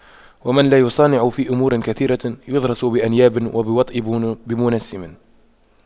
ومن لا يصانع في أمور كثيرة يضرس بأنياب ويوطأ بمنسم